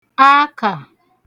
akà